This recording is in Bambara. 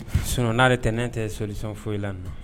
Sinon n'ale tɛ ne ɲɛ tɛ solution foyi la nin la.